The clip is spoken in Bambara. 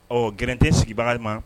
Ɔ gin tɛe sigi bakarijan ma